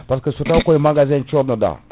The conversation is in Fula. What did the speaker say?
par ce que so tawi koye magasin codnoɗa